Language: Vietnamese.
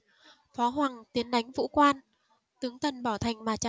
phó hoằng tiến đánh vũ quan tướng tần bỏ thành mà chạy